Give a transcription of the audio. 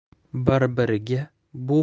bir biriga bu